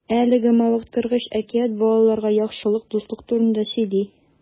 Әлеге мавыктыргыч әкият балаларга яхшылык, дуслык турында сөйли.